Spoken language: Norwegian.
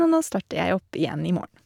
Og nå starter jeg opp igjen i morgen.